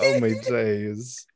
Oh my days.